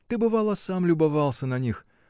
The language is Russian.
Ты, бывало, сам любовался на них.